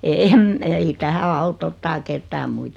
en ei tähän auta ottaa ketään muita